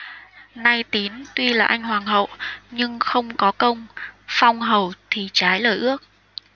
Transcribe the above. nay tín tuy là anh hoàng hậu nhưng không có công phong hầu thì trái lời ước